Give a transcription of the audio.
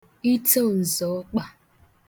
ito ǹtzọ̀kpà